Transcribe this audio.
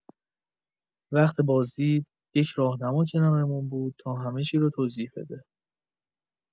وقت بازدید، یه راهنما کنارمون بود تا همه چی رو توضیح بده.